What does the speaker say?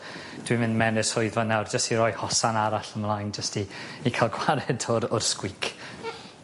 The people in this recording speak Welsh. dwi'n mynd mewn i'r swyddfa nawr jyst i roi hosan arall ymlaen jyst i i ca'l gwared o'r o'r sgwîc.